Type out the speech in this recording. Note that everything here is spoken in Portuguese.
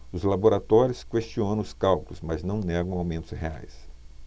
os laboratórios questionam os cálculos mas não negam aumentos reais